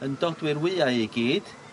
yn dodwy'r wyau i gyd